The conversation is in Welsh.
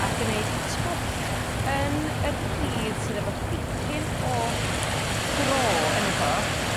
a gneud twll yn yr pridd sydd efo dipyn o gro yne fo.